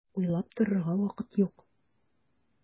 Уйлап торырга вакыт юк!